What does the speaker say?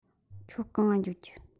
ཁྱོད གང ང འགྱོ རྒྱུ